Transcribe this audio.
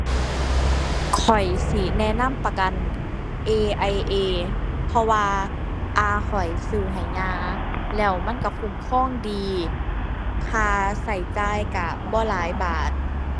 ข้อยสิแนะนำประกัน AIA เพราะว่าอาข้อยซื้อให้ย่า แล้วมันก็คุ้มครองดี ค่าก็จ่ายก็บ่หลายบาท